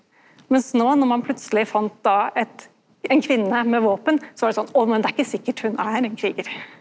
mens no når ein plutseleg fann då eit ein kvinne med våpen så var det sånn å men det er ikkje sikkert ho er ein krigar.